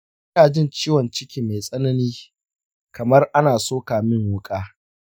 ina jin ciwon ciki mai tsanani kamar ana soka min wuƙa.